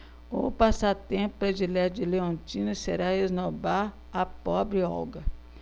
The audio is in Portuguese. o passatempo predileto de leontina será esnobar a pobre olga